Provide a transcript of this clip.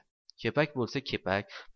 kepak bo'lsa kerak